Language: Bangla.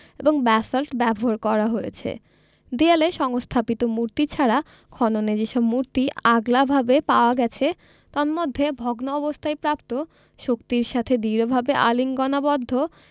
এবং ব্যাসাল্ট ব্যবহার করা হয়েছে দেয়ালে সংস্থাপিত মূর্তি ছাড়া খননে যেসব মূর্তি আগলাভাবে পাওয়া গেছে তম্মধ্যে ভগ্ন অবস্থায় প্রাপ্ত শক্তির সাথে দৃঢ়ভাবে আলিঙ্গনাবদ্ধ